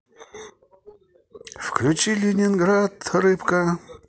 включи ленинград рыбка